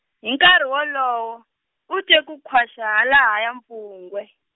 hi nkarhi wolowo, u twe ku khwaxa halahaya mpfungwe.